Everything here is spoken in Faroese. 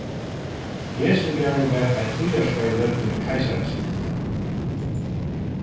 hesin garður varð eitt tíðarskeið róptur keisarasnittið